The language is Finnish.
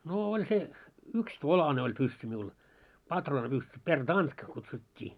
no oli se yksitolainen oli pyssy minulla patruunapyssy pertanka kutsuttiin